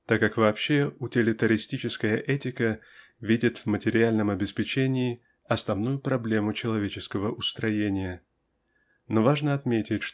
так как вообще утилитаристическая этика видит в материальном обеспечении основную проблему человеческого устроения. Но важно отметить